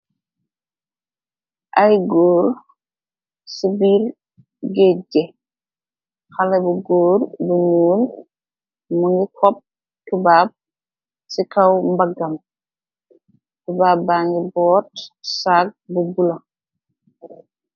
Ay góor ci biir géejje xalé bu góor bu ñyuul më ngi xopp cubaab ci kaw mbaggam tubaabba ngi boot sagg bu bula.